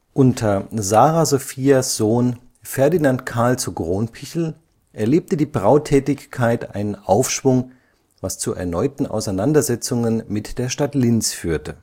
Unter Sara Sophias Sohn Ferdinand Carl zu Cronpichl erlebte die Brautätigkeit einen Aufschwung, was zu erneuten Auseinandersetzungen mit der Stadt Linz führte